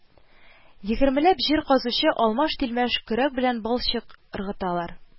Егермеләп җир казучы алмаш-тилмәш көрәк белән балчык ыргыталар